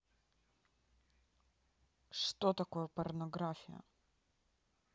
что такое порнография